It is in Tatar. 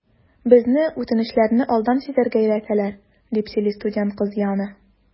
Безне үтенечләрне алдан сизәргә өйрәтәләр, - дип сөйли студент кыз Яна.